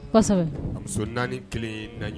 Muso naani kelen ye naani